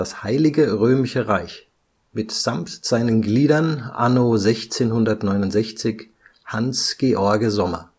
Heillige Römische Reich; Mitt Sampt Seinen Gliedern Anno 1669 Hanß George Sommer